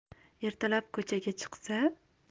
ertalab ko'chaga chiqsa